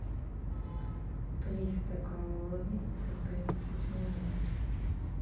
триста калорий за тридцать минут